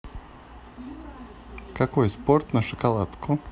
какой спорт на шоколадку